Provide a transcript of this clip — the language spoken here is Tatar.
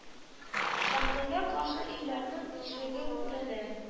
Сәхнәгә каршы өйләрнең ишеге күренә